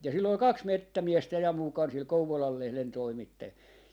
ja sillä oli kaksi metsämiestä ja mukana sillä Kouvolan lehden toimittajalla